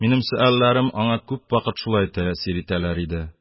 Минем сөальләрем аңа күп вакыт шулай тәэсир итәләр иде.